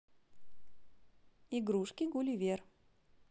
игрушки гулливер